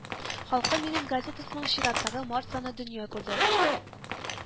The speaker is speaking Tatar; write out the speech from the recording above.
Халкым минем газетасының чираттагы, март саны дөнья күрде